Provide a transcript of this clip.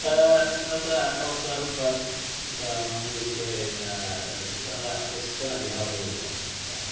Yy, fatha, oes 'na rhywbeth fatha mwy scary na, yy, fatha achos dyna ydi Halloween i fod ia? Fatha...